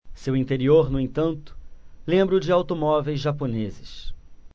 seu interior no entanto lembra o de automóveis japoneses